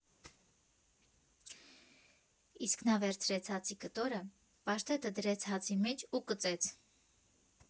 Իսկ նա վերցրեց հացի կտորը, պաշտետը դրեց հացի մեջ ու կծեց։